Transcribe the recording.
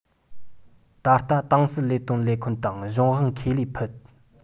ད ལྟ ཏང སྲིད ལས དོན ལས ཁུངས དང གཞུང དབང ཁེ ལས ཕུད